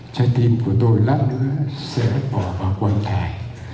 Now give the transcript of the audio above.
trái tim của tôi lát nữa sẽ bỏ vào quan tài